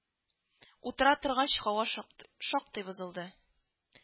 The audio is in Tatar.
Утыра торгач, һава шактый шактый бозылды